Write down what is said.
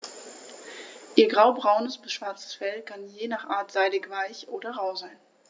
Ihr graubraunes bis schwarzes Fell kann je nach Art seidig-weich oder rau sein.